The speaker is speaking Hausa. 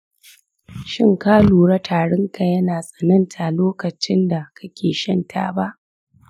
shin ka lura tarinka yana tsananta lokacin da kake shan taba?